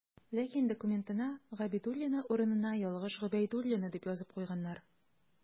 Ләкин документына «Габидуллина» урынына ялгыш «Гобәйдуллина» дип язып куйганнар.